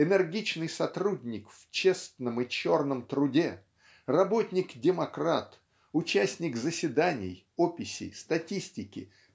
энергичный сотрудник в честном и черном труде работник-демократ участник заседаний описей статистики